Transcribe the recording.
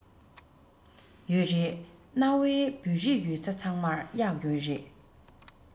ཡོད རེད གནའ བོའི བོད རིགས ཡོད ས ཚང མར གཡག ཡོད རེད